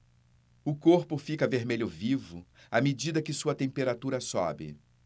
o corpo fica vermelho vivo à medida que sua temperatura sobe